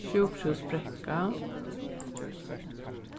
sjúkrahúsbrekka